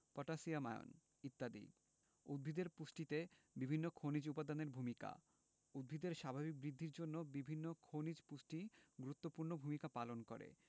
potassium ion ইত্যাদি উদ্ভিদের পুষ্টিতে বিভিন্ন খনিজ উপাদানের ভূমিকা উদ্ভিদের স্বাভাবিক বৃদ্ধির জন্য বিভিন্ন খনিজ পুষ্টি গুরুত্বপূর্ণ ভূমিকা পালন করে